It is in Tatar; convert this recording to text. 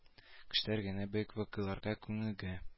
Кешеләр генә бөек вакыйгаларга күнегә